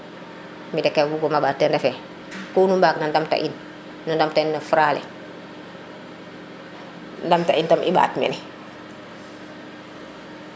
mi de ke buguma mbaat teen ten refe kunu mbaag na ndam ta in nu ndam ta in no Fra le ndam ta in ten tam nu ɓaat mana